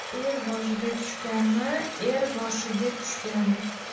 el boshiga tushgani er boshiga tushgani